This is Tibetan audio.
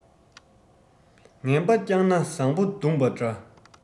ངན པ བསྐྱངས ན བཟང པོ བརྡུངས པ འདྲ